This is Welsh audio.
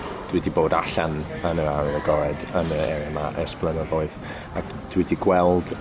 dwi 'di bod allan yn yr awyr agored yn yr area 'ma ers blynyddoedd. Ac dwi 'di gweld